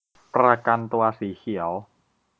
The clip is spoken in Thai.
ประกันตัวสีเขียว